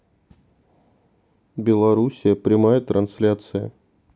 белоруссия прямая трансляция